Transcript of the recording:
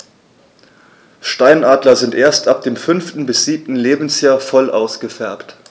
Steinadler sind erst ab dem 5. bis 7. Lebensjahr voll ausgefärbt.